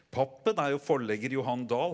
Pappen er jo forlegger Johan Dahl.